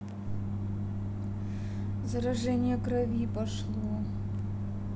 заражение крови прошло